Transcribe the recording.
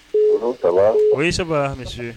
O ye saba misi